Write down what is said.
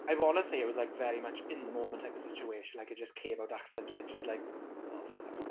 I wanna say it was like very much in the moment type of situation, like it just came out accidentally. And she's like "oh, fuck".